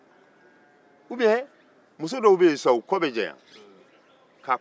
u biuɛ muso dɔw bɛ yen u kɔ bɛ janya